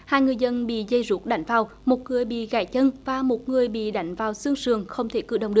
hai ngư dân bị dì ruột đánh vào một người bị gãy chân và một người bị đánh vào xương sườn không thể cử động